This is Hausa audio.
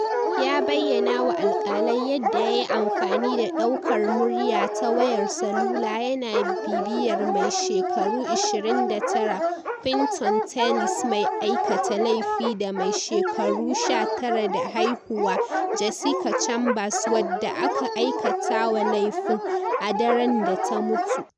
Ya bayyana wa alkalai yadda ya yi amfani da daukar murya ta wayar salula yana bibiyar mai shekaru 29 Quinton Tellis mai aikata laifi da mai shekaru 19 da haihuwa, Jessica Chambers wadda aka aikata wa laifin, a daren da ta mutu.